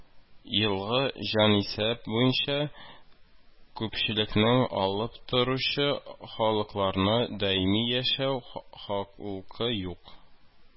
Елгы җанисәп буенча күпчелекне алып торучы халыклар: даими яшәүче халкы юк